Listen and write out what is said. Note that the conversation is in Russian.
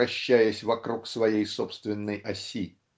вращаясь вокруг своей собственной оси